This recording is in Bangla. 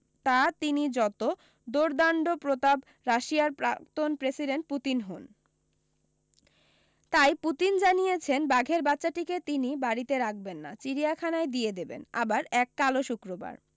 তা তিনি যতি দোর্দন্ডপ্রতাপ রাশিয়ার প্রাক্তন প্রেসিডেন্ট পুতিন হোন তাই পুতিন জানিয়েছেন বাঘের বাচ্চাটিকে তিনি বাড়ীতে রাখবেন না চিড়িয়াখানায় দিয়ে দেবেন আবার এক কালো শুক্রবার